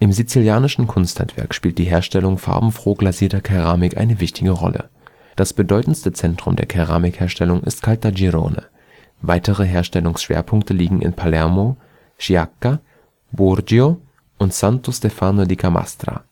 sizilianischen Kunsthandwerk spielt die Herstellung farbenfroh glasierter Keramik eine wichtige Rolle. Das bedeutendste Zentrum der Keramikherstellung ist Caltagirone, weitere Herstellungsschwerpunkte liegen in Palermo, Sciacca, Burgio und Santo Stefano di Camastra